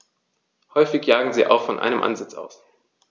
Häufig jagen sie auch von einem Ansitz aus.